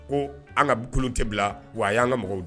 Ko an ka kolon tɛ bila wa a y'an ka mɔgɔ di